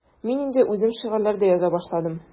Мин инде үзем шигырьләр дә яза башладым.